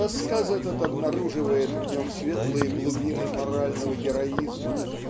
рассказ этот обнаруживает в нем светлые глубины морального героизма.